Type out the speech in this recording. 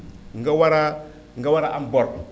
nga war a nga war a am bor